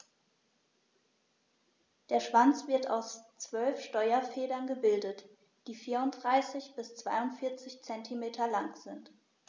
Der Schwanz wird aus 12 Steuerfedern gebildet, die 34 bis 42 cm lang sind.